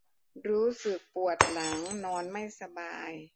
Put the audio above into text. รู้สึกปวดหลังนอนไม่สบาย